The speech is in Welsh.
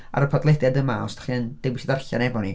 ..Ar y podlediad yma os ydach chi yn dewis i darllen efo ni...